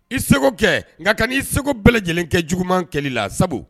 I segu kɛ nka kana n'i segu bɛɛ lajɛlen kɛ juguman kɛlɛli la sabu